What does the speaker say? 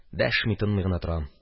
Дәшми-тынмый гына торам.